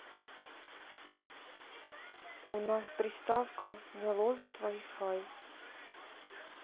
у нас приставка не ловит wi fi